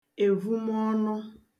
èvumọnụ